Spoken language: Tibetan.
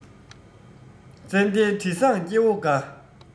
ཙན དན དྲི བཟང སྐྱེ བོ དགའ